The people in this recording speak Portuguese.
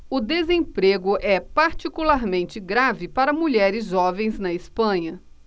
o desemprego é particularmente grave para mulheres jovens na espanha